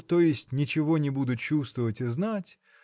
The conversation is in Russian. то есть ничего не буду чувствовать и знать